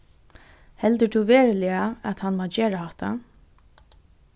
heldur tú veruliga at hann má gera hatta